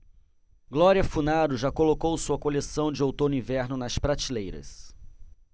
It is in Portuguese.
glória funaro já colocou sua coleção de outono-inverno nas prateleiras